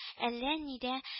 Әллә нидә